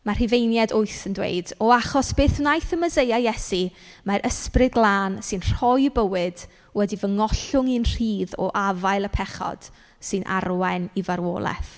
Ma' Rhufeiniaid wyth yn dweud "O achos beth wnaeth y Meseia Iesu mae'r Ysbryd Glân sy'n rhoi bywyd wedi fy ngollwng i'n rhydd o afael y pechod sy'n arwain i farwolaeth."